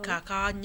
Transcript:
Ka ka